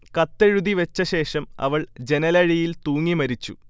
കത്തെഴുതി വച്ച ശേഷം അവൾ ജനലഴിയിൽ തൂങ്ങി മരിച്ചു